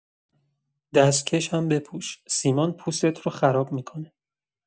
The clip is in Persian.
دستکش هم بپوش، سیمان پوستت رو خراب می‌کنه.